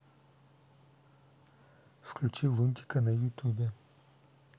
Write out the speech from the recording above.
включи лунтика на ютубе